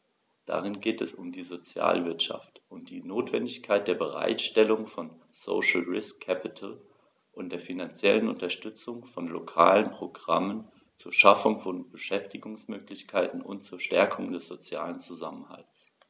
Darin geht es um die Sozialwirtschaft und die Notwendigkeit der Bereitstellung von "social risk capital" und der finanziellen Unterstützung von lokalen Programmen zur Schaffung von Beschäftigungsmöglichkeiten und zur Stärkung des sozialen Zusammenhalts.